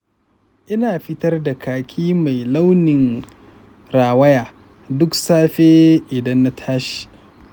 ina fitar da kaki mai launin rawaya duk safe idan na tashi.